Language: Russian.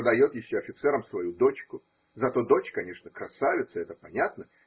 продает еще офицерам свою дочку. Зато дочь. конечно, красавица. Это понятно.